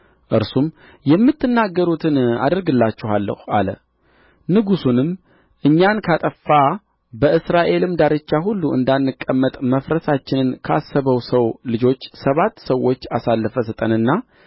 እርሱም የምትናገሩትን አደርግላችኋለሁ አለ ንጉሡንም እኛን ካጠፋ በእስራኤልም ዳርቻ ሁሉ እንዳንቀመጥ መፍረሳችንን ካሰበው ሰው ልጆች ሰባት ሰዎች አሳልፈህ ስጠንና